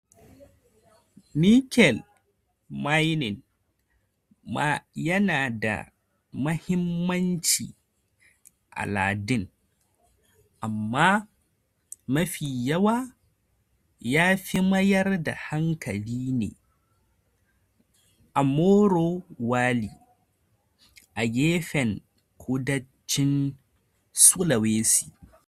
Nickel mining ma yana da mahimmanci a lardin, amma mafi yawa ya fi mayar da hankali ne a Morowali, a gefen kudancin Sulawesi.